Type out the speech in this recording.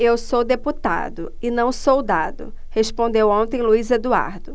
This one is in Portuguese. eu sou deputado e não soldado respondeu ontem luís eduardo